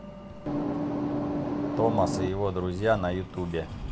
томас и его друзья на ютубе